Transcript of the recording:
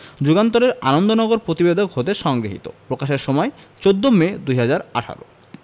যুগান্তর এর আনন্দনগর প্রতিবেদক হতে সংগৃহীত প্রকাশের সময় ১৪ মে ২০১৮